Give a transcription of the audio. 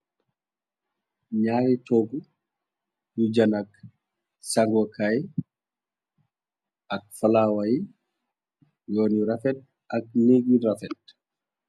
Naayi toogu yu janak sanguokaay ak falawayi yoon yu rafet ak neggi rafet.